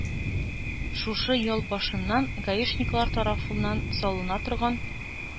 Шушы ел башыннан гаишниклар тарафыннансалына торган